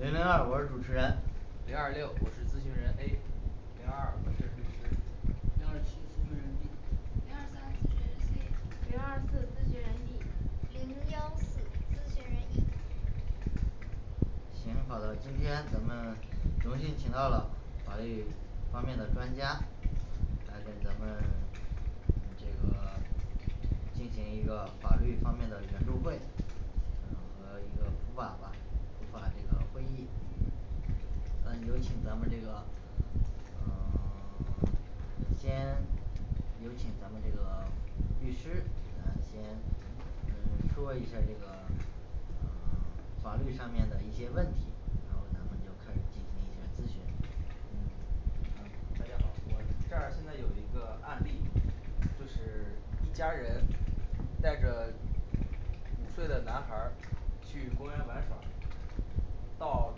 零零二我是主持人零二六我是咨询人A 零二二我是律师零二七咨询人B 零二三咨询人C 零二四咨询人D 零幺四咨询人E 行，好的，今天咱们荣幸请到了法律方面的专家，来给咱们嗯这个 进行一个法律方面的援助会嗯和一个普法吧普法这个会议呃有请咱们这个嗯 先有请咱们这个 律师简单先嗯说一下儿这个嗯 法律上面的一些问题，然后咱们就开始进行一些咨询嗯好大家好，我这儿现在有一个案例，就是一家人带着五岁的男孩儿去公园儿玩耍到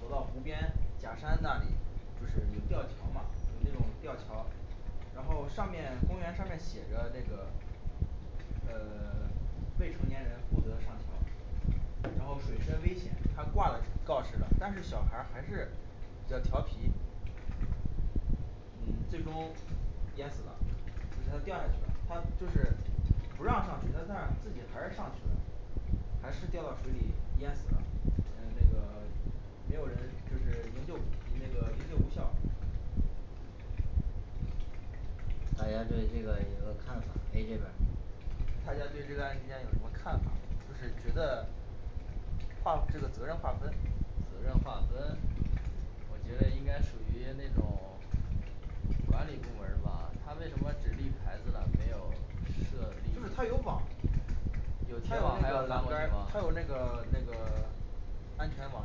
走到湖边假山那里就是有吊桥嘛，有那种吊桥，然后上面公园上面写着这个呃 未成年人不得上桥，然后水深危险，他挂了告示了，但是小孩儿还是比较调皮嗯最终淹死了。就是他掉下去了，他就是不让上去，他但是自己还是上去了，还是掉到水里淹死了。嗯那个没有人就是营救那个营救无效。大家对有个看法，A这边儿大家对这个案件有什么看法，就是觉得划这个责任划分，责任划分，我觉得应该属于那种 管理部门儿吧，他为什么只立牌子了没有设就是他立？有网有他铁有网还那要个钻栏过杆去儿吗，他有那个那个安全网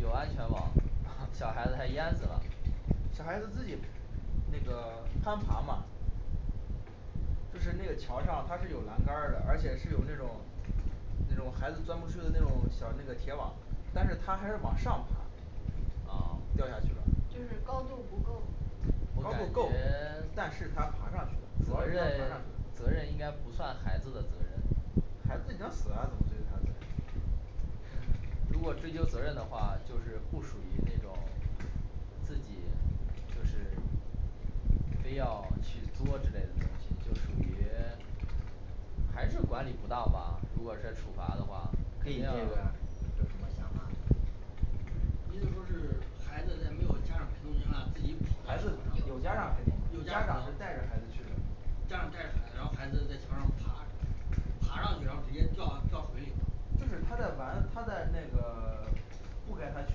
有安全网，小孩子还淹死了，小孩子自己那个攀爬嘛。就是那个桥上它是有栏杆儿的，而且是有那种那种孩子钻不出去的那种小那个铁网，但是他还是往上爬啊掉下去了就是高度不够我感高度够觉 ，但是他爬上去的主责要是他任爬上去了，责任应该不算孩子的责任孩子已经死了怎么追究他的责任？如果追究责任的话，就是不属于那种 自己就是非要去作之类的东西，就属于 还是管理不当吧如果是处罚的话 B 毕这竟边儿有什么想法不是意思说是孩子在没有家长陪同情况下自己跑孩子有到家桥上长陪同有家家长长是带着陪同孩子去的家长带着孩子然后孩子在桥上爬爬上去，然后直接掉掉水里了就是他在玩，他在那个 不该他去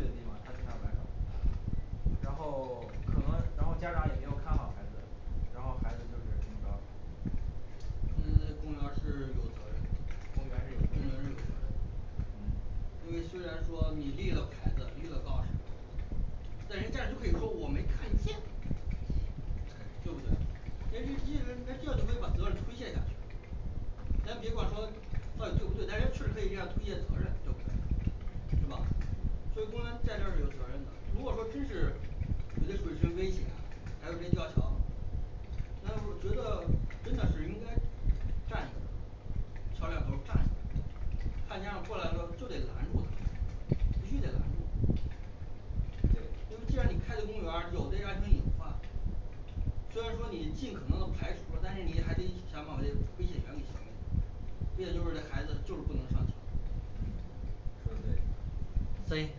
的地方他去那儿玩耍，然后 可能然后家长也没有看好孩子然后孩子就是这么着就是这公园是有责任的，公公园园是是有有责责任任的的因为虽然说你立了牌子，立了告示但人家就可以说没我看见对不对但是这些人没必要就可以把责任推卸下去。咱别管说算对不对？但是就是别推卸责任对不对，&嗯&是吧？所以公安在这儿就承认了，如果说真是这个水深危险。 还是没吊桥？那么我觉得真的是应该占有桥两头占有看家长过来了就得拦住他必须得拦住对因为这样你开的公园儿有这个安全隐患虽然说你尽可能的排除了，但是你还得想好的危险援助项目尤其这孩子就是不能上桥嗯说得对嗯 C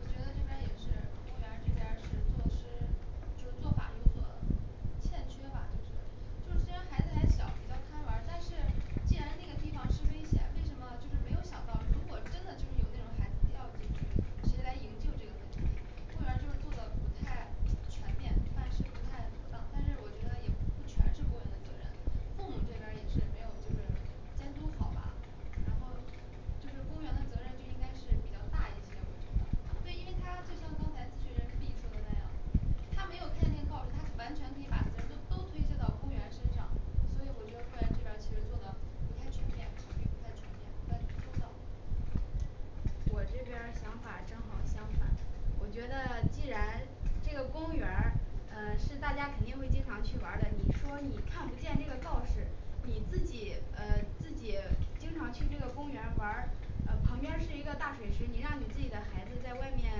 我觉得这边儿也是公园儿这边儿是措施就是做法有所欠缺吧就是就是虽然孩子还小，比较贪玩儿，但是既然这个地方是危险，为什么就是想到如果真的就是有那种孩子掉进去谁来营救这个问题？公园儿就是做的不太全面办事不太妥当，但是我觉得也不全是公园的责任。父母这边儿也是没有就是监督好吧。然后就就是公园的责任就应该是比较大一些我觉得。对，因为他就像刚才咨询人B说的那样他没有看见告示他完全可以把责任就都推卸到公园身上所以我觉得公园儿这边儿其实做的不太全面考虑不太全面不太周到我这边儿想法正好相反，我觉得既然这个公园儿嗯是大家肯定会经常去玩儿的，你说你看不见这个告示你自己呃自己经常去这个公园玩儿呃旁边是一个大水池，你让你自己的孩子在外面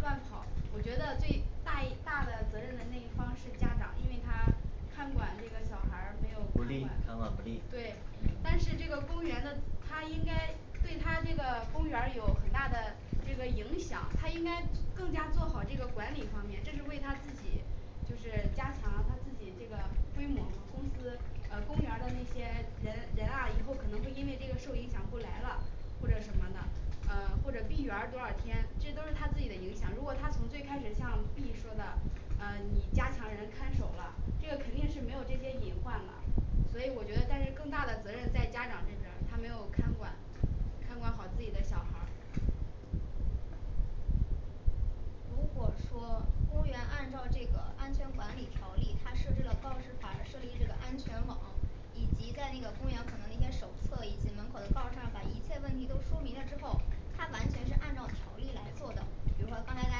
乱跑，我觉得最大一大的责任的那一方是家长，因为他看管那个小孩儿没有不利看看管管不利，对，嗯但是这个公园的他应该对他这个公园儿有很大的这个影响，他应该更加做好这个管理方面，这是为他自己就是加强他自己这个规模嘛公司呃公园儿的那些人人啊以后可能会因为这个受影响不来了或者什么的嗯或者闭园儿多少天，这都是他自己的影响，如果他从最开始像B说的，嗯你加强人看守了，这个肯定是没有这些隐患了。所以我觉得但是更大的责任在家长这边儿，他没有看管，看管好自己的小孩儿，如果说公园儿按照这个安全管理条例，它设置了告示法，设立这个安全网以及在那个公园可能那些手册以及门口的告上，把一切问题都说明了之后，他完全是按照条例来做的。比如说刚才大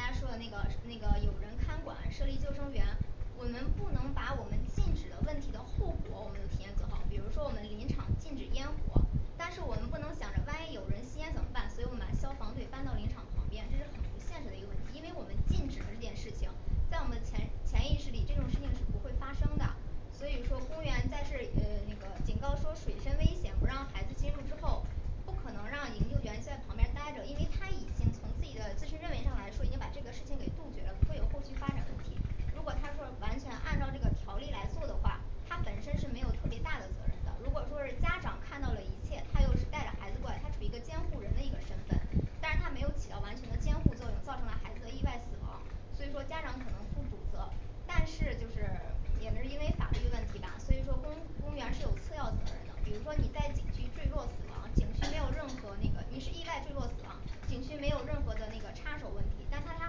家说的那个那个有人看管设立救生员我们不能把我们禁止的问题的后果我们提前做好，比如说我们林场禁止烟火但是我们不能想着万一有人吸烟怎么办？所以我们把消防队搬到林场旁边，这是很不现实的一个问题，因为我们禁止了这件事情在我们的潜潜意识里这种事情是不会发生的，所以说公园在但是呃那个警告说水深危险，不让孩子进入之后，不可能让营救员在旁边待着，因为他已经从自己的自身认为上来说，已经把这个事情给杜绝了，不会有后续发展问题。如果他说完全按照这个条例来做的话，他本身是没有特别大的责任的，如果说是家长看到了一切，他又是带着孩子过来，他处于一个监护人的一个身份但是他没有起到完全的监护作用，造成了孩子的意外死亡，所以说家长可能负主责但是就是也是因为法律问题吧，所以说公公园是有次要责任的，比如说你在景区坠落死亡，景区没有任何那个你是意外坠落死亡景区没有任何的那个插手问题，但他他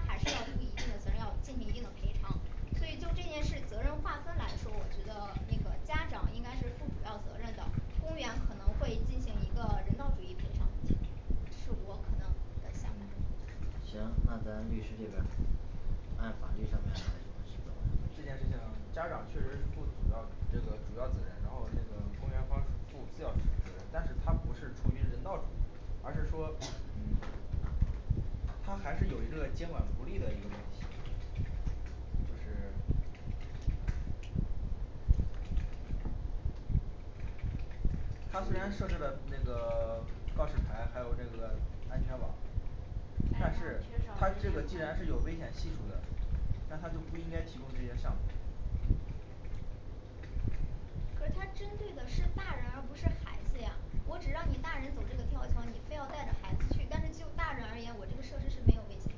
还是要& &负一定的责任，要进行一定的赔偿所以就这件事责任划分来说，我觉得 那个家长应该是负主要责任的，公园可能会进行一个人道主义赔偿是我可能在想嗯行，那咱律师这边儿按法律上面来什么情况这件事情，家长确实是负主要这个主要责任，然后那个公园儿方负次要责任。 但是它不是出于人道主义而是说& &嗯它还是有一个监管不力的一个问题。就是他虽然设属置了于那个告示牌，还有这个安全网但但是是他它缺这少个人既然员是宽有危险系数的，那他就不应该提供这些项目可是它针对的是大人而不是孩子呀，我只让你大人走这个跳桥，你非要带着孩子去，但是就大人而言，我这个设施是没有危险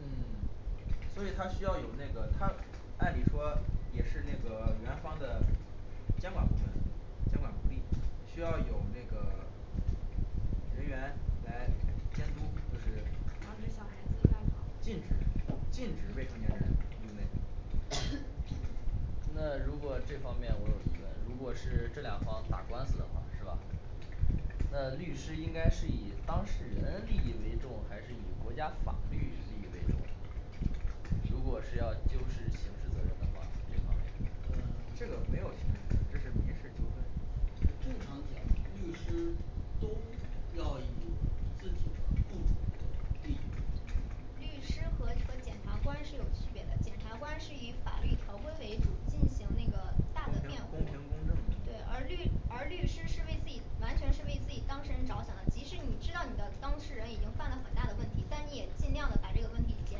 嗯所以他需要有那个他按理说也是那个 园方的监管部门，监管不力，需要有这个 人员来监督就是防止小孩子乱跑禁止禁止未成年人入内 &&那如果这方面我有疑问，如果是这两方打官司的话是吧？那律师应该是以当事人利益为重，还是以国家法律利益为重？如果是要就事刑事责任的话那这方面这嗯 个没有刑事责任。这是民事纠纷正常讲律师都要以自己的雇主这个利益律师和这个检察官是有区别的，检察官是以法律条规为主进行那个公平大的辩公护平公正，的对而律而律师是为自己完全是为自己当事人着想的，即使你知道你的当事人已经犯了很大的问题，但你也尽量的把这个问题减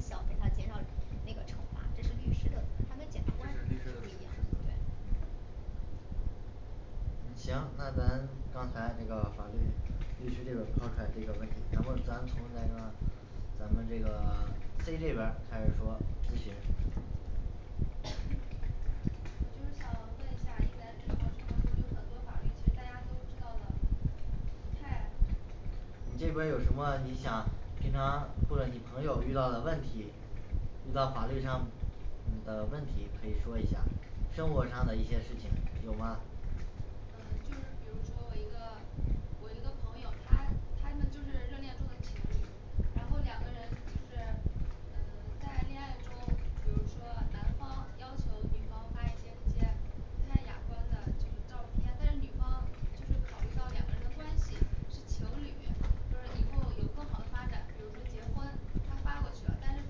小给他减少那个惩罚，这是律师的，他跟检察官这是不是是不律一样师的？对。责任嗯嗯行，那咱刚才这个法律律师这边儿抛出来这个问题，然后咱从咱们咱们这个 C这边儿开始说咨询。我就想问一下咱们这边儿很多法律大家都知道的不太你这边儿有什么你想平常或者你朋友遇到的问题，遇到法律上的问题可以说一下。 生活上的一些事情有吗就是比如说我一个我一个朋友，他他们就是热恋中的情侣然后两个人就是嗯在恋爱中，比如说男方要求女方发一些那些不太雅观的这个照片，但是女方就是考虑到两个人关系，是情侣或者以后有更好的发展，比如说结婚他发过去了，但是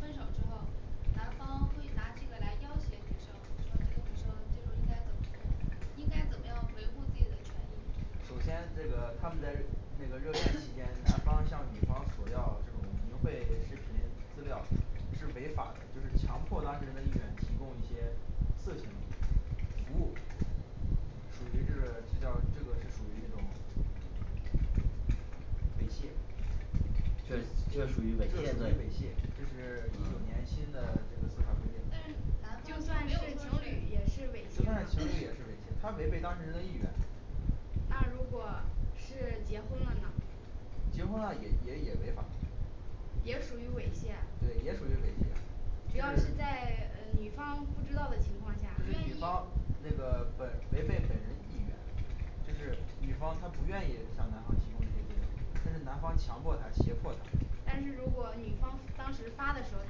分手之后男方会拿这个来要挟女生，请问这个时候儿这个应该怎么做应该怎么样维护自己的权益？首先这个他们在& &那个热恋期间，男方向女方索要这种淫秽视频资料是违法的，就是强迫当事人的意愿提供一些色情服务，属于这个这叫这个是属于那种猥亵，对这属于猥这属于猥亵亵的这是一九年嗯新的这个司法规定，但是男方就就算没是有情说侣是也是猥就亵算是吗情侣也是猥亵，他违背当事人的意愿。那如果是结婚了呢结婚了也违法。也属于猥亵对，也属于猥亵只要是在呃女方不知道的情况下就不是愿女意方那个本违背本人意愿就是女方她不愿意向男方提供这些资料，但是男方强迫她胁迫她但是如果女方当时发的时候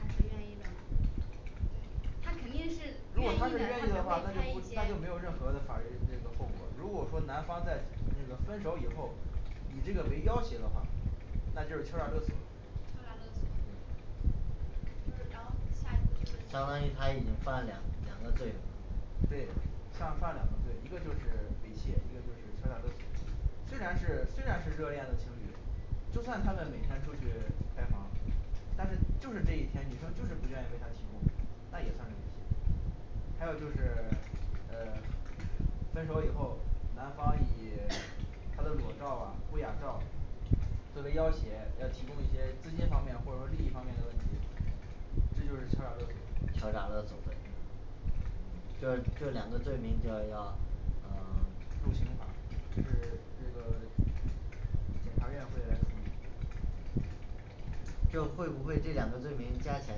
她是愿意的呢她肯定是如果愿意的她是愿意的她话，才那会就拍不一些那就没有任何的法律这个后果，如果说男方在那个分手以后以这个为要挟的话那就是敲诈勒索敲诈勒索对就是然后下步就是相当于他已经犯了两两个罪名啦对，像犯了两个罪，一个就是猥亵，一个就是敲诈勒索。虽然是虽然是热恋的情侣，就算他们每天出去开房但是就是这一天女生就是不愿意为他提供，那也算是猥亵。还有就是呃 分手以后，男方以 她的裸照啊不雅照作为要挟要提供一些资金方面或者说利益方面的问题，这就是敲诈勒索敲诈勒索罪。嗯就这两个罪名就要要，呃嗯入刑法就是这个检察院会来处理这个就会不会这两个罪名加起来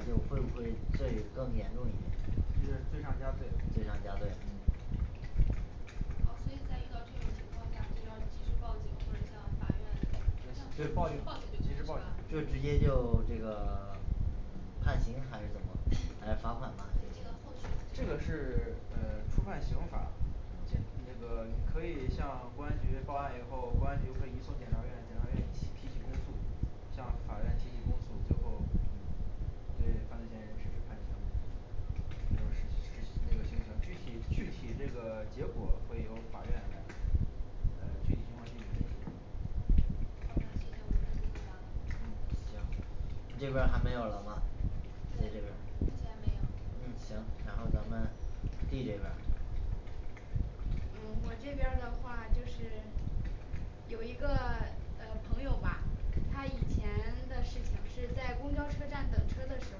就会不会会罪更严重一点？这是罪上加罪罪上加罪嗯好，所以在遇到这种情况下，就要及时报警或者向法院就直接向报报警警，报警及时就报可警，以了这直接就这个 判刑还是怎么 对来罚款吗这个后续这个是呃触犯刑法检嗯这个你可以向公安局报案以后，公安局会移送检察院检察院起提起公诉，向法院提起公诉，最后嗯对犯罪嫌疑人实施判刑还有实习实习那个行刑具体具体这个结果会由法院来呃具体情况具体分析嗯行你这边儿还没有了吗？C嘞这边儿目前没有嗯行，然后咱们D这边儿嗯我这边的话就是有一个 呃朋友吧他以前 的事情是在公交车站等车的时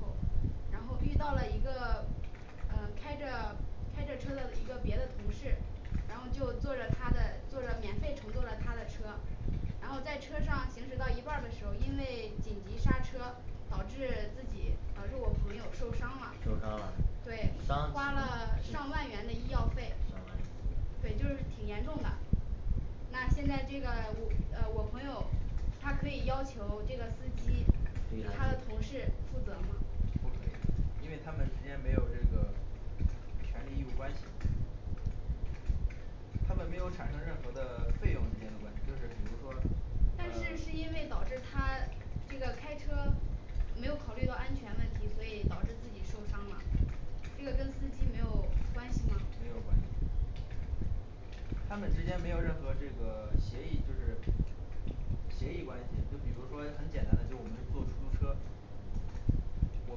候，然后遇到了一个 呃开着 开着车的一个别的同事然后就坐着他的坐着免费乘坐着他的车然后在车上行驶到一半儿的时候儿，因为紧急刹车导致自己导致我朋友受伤了受伤了。对，伤花了几上万元的医药费上万元。对，就是挺严重的。那现在这个 我呃我朋友他可以要求这个司机他的同事负责吗？不可以。因为他们之间没有这个权利义务关系，他们没有产生任何的费用之间的关系，就是比如说呃但是是因为导致他这个开车没有考虑到安全问题，所以导致自己受伤了。 这个跟司机没有关系吗？没有关系。他们之间没有任何这个协议。就是协议关系，就比如说很简单的就是我们坐出租车，我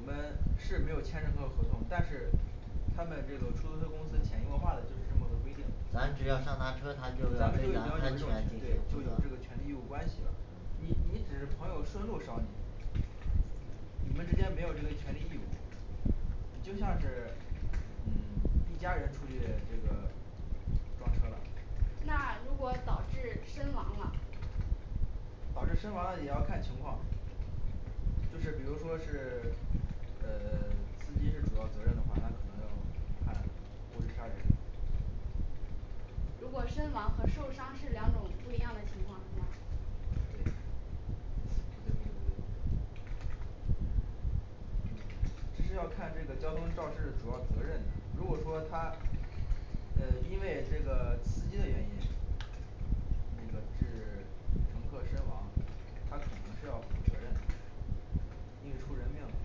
们是没有签这个合同，但是他们这个出租车公司潜移默化的就是这么个规定嗯，咱咱们就只已经要上他车他就有要安全一是种吧对，就有这个权利义务关系了你你只是朋友顺路捎你，你们之间没有这个权利义务你就像是嗯一家人出去这个撞车了。那如果导致身亡了导致身亡了也要看情况。就是比如说是呃 司机是主要责任的话，那可能要判过失杀人如果身亡和受伤是两种不一样的情况是吗？对嗯这是要看这个交通肇事主要责任的，如果说他呃因为这个司机的原因，那个致乘客身亡，他肯定是要负责任的。因为出人命了嘛，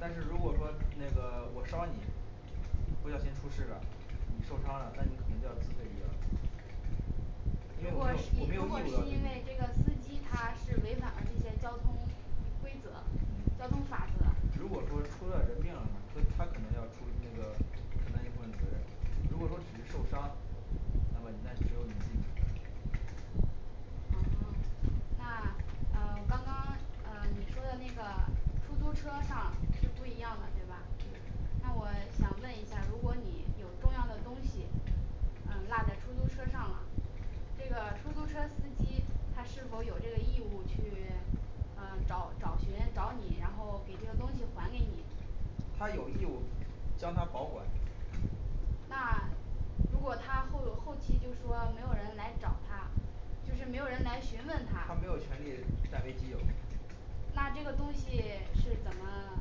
但是如果说那个我稍你，不小心出事了你受伤了那你可能就要自费医疗费因为如我果是没有我如没果有是义务因为这要个对你司机他是违反了这些交通规则嗯，交通法则，嗯如果说出了人命了呢，他他可能要出那个承担一部分责任。如果说只是受伤，那么人家只有你自己承担哦那呃我刚刚呃你说的那个出租车上是不一样的，对吧对？那我想问一下，如果你有重要的东西呃落在出租车上了，这个出租车司机他是否有这个义务去呃找找寻找你，然后给这个东西还给你，他有义务将它保管，那如果他后后期就说没有人来找他就是没有人来询问他，他没有权利占为己有那这个东西是怎么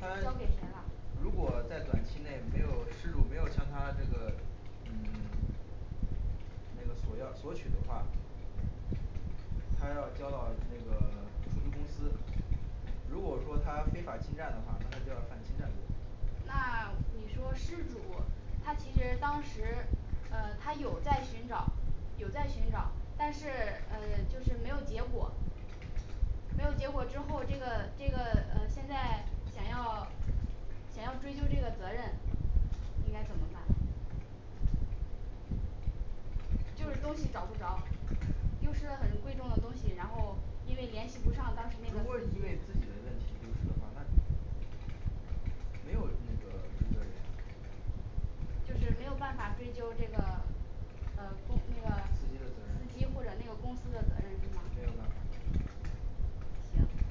呃交给谁了如果在短期内没有失主，没有向他这个嗯 那个索要索取的话，他要交到那个出租公司，如果说他非法侵占的话，那他就要判侵占罪那你说失主他其实当时呃他有在寻找有在寻找，但是呃就是没有结果没有结果之后，这个这个呃现在想要想要追究这个责任，应该怎么办？就是东西找不着，丢失了很贵重的东西，然后因为联系不上，当时那如个果因为自己的问题丢失的话那没有那个追责人呀就是没有办法追究这个呃公那个司司机的责任机或者那个公司的责任是吗？没有办法行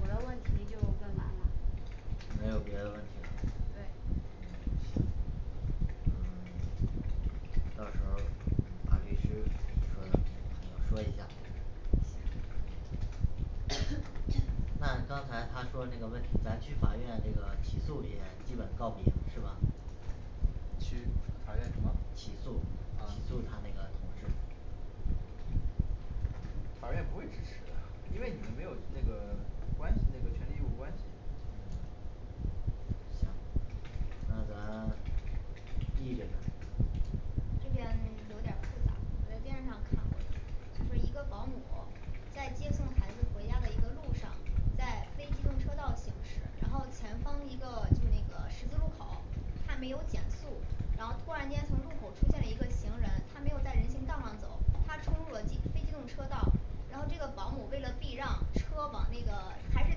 我的问题就问完了没有别的问题了。对嗯行嗯 到时候儿嗯把律师给你说的给你朋友说一下嗯行 &&那刚才他说那个问题，咱去法院这个起诉也基本告不赢是吧？去法法院什么起诉起哦诉他那个同事法院不会支持的，因为你们没有那个关系那个权利义务关系。嗯行那咱E这边这边有点儿复杂，我在电视上看过，就是一个保姆在接送孩子回家的一个路上，在非机动车道行驶，然后前方一个就那个十字路口他没有减速，然后突然间从路口出现了一个行人，他没有在人行道上走，他冲入了机非机动车道然后这个保姆为了避让车往那个还是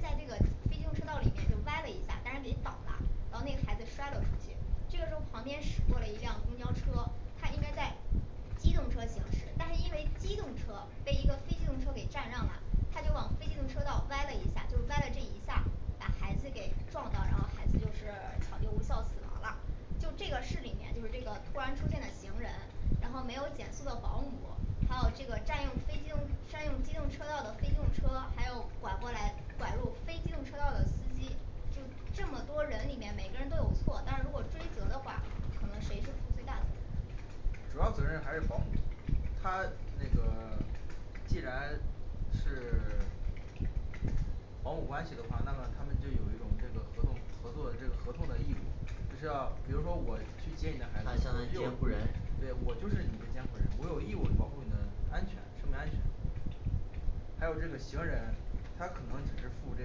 在非机动车道里面就歪了一下，但是给倒了。然后那孩子摔了出去这个时候旁边驶过了一辆公交车，他应该在机动车行驶，但是因为机动车被一个非机动车给占让了他就往非机动车道歪了一下就歪了这一下，把孩子给撞到，然后孩子就是抢救无效死亡了，就这嗯个事里面突然出现的行人，然后没有减速的保姆，还有这个占用非机动占用机动车道的非机动车，还有拐过来拐入非机动车道的司机，就这么多人里面每个人都有错，但是如果追责的话，可能谁是负最大责任？主要责任还是保姆。他那个 既然是 保姆关系的话，那么他们就有一种这个合同合作的这个合同的义务，就是要比如说我去接你的孩子他相当于就监护人，对我就是你的监护人，我有义务保护你的安全生命安全还有这个是行人，他可能只是负这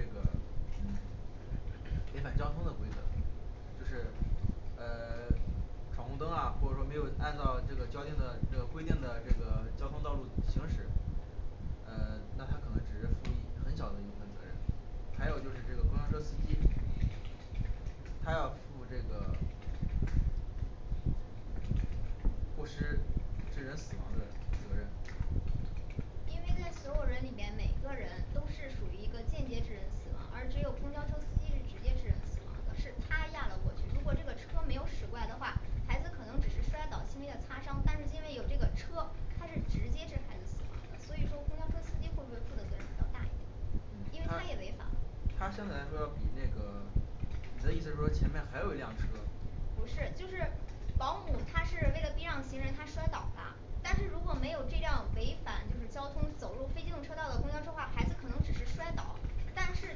个嗯违反交通的规则就是呃 闯红灯啊或者说没有按照这个交警的规定的这个交通道路行驶，呃那他可能只是负一很小的一部分责任还有就是这个公交车司机，他要负这个 过失致人死亡的责任，因为在所有人里面每个人都是属于一个间接致人死亡，而只有公交车司机是直接致人死亡的，是他压了过去，如果这个车没有驶过来的话，孩子可能只是摔倒轻微的擦伤，但是因为有这个车，他直接是孩子死亡的，所以说公交车司机会不会负的责任比较大一点儿，因嗯为他也他违法，他相对来说要比那个。 你的意思是说前面还有一辆车不是就是保姆他是为了避让行人他摔倒的，但是如果没有这辆违反就是交通走入非机动车道的公交车的话，孩子可能只是摔倒，但是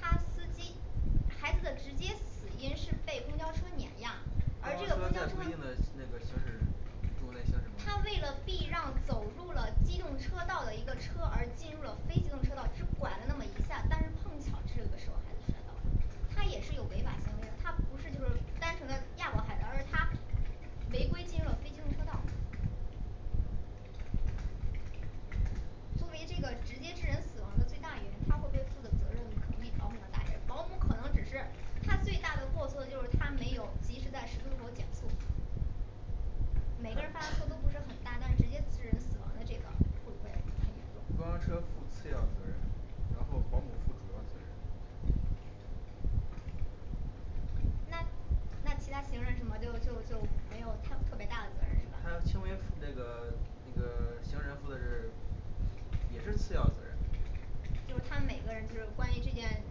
他司机孩子的直接死因是被公交车碾压，而公这交个车公在交车规定的那个行驶路内行驶吗他为了避让走入了机动车道的一个车，而进入了非机动车道，只拐了那么一下，但是碰巧这个时候孩子摔倒了，他也是有违法行为的，他不是就说单纯的压到孩子的，而是他违规进入了非机动车道，作为这个直接致人死亡的最大原因，他会背负的责任可能比保姆的要大点儿，保姆可能只是他最大的过错就是他没有及时在十字路口减速每个人犯的错都不是很大，但是直接致人死亡这个的会不会判严重公交车负次要责任，然后保姆负主要责任。那那其他行人什么就就就没有太特别大的责任是吧？他轻微那个这个行人负责是也是次要责任就是他们就是每个人关于这件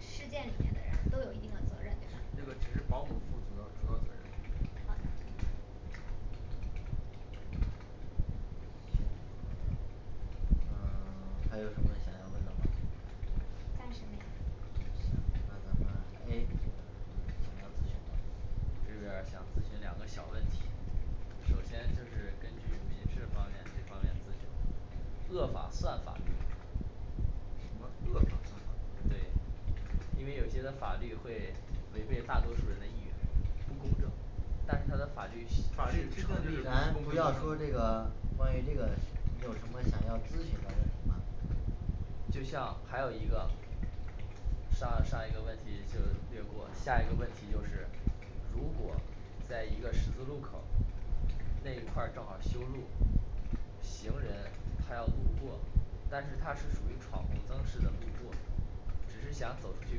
事件里面的人都有一定的责任，对吧？那个只是保姆负责主要主要责任。好的嗯 还有什么想要问的吗暂时行没有那咱们A这边儿有想要咨询的吗我这边儿想咨询两个小问题，首先就是根据民事方面这方面咨询，恶法算法律吗什么恶法算法律对。因为有一些的法律会违背大多数人的意愿。不公正但是他的法律是法律制定程序，这个咱不要说这个关于这个是 你有什么想要咨询的问题吗就像还有一个上上一个问题就略过下一个问题就是。如果在一个十字路口儿那一块儿正好修路，行人他要路过，但是他是属于闯红灯式的路过只是想走出去